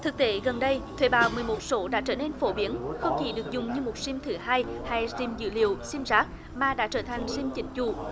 thực tế gần đây thuê bao mười một số đã trở nên phổ biến không chỉ được dùng như một sim thứ hai hay sim dữ liệu sim rác mà đã trở thành sim chính chủ